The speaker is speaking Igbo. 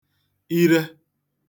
ire